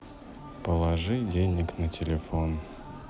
положи денег на телефон